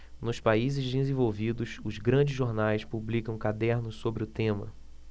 nos países desenvolvidos os grandes jornais publicam cadernos sobre o tema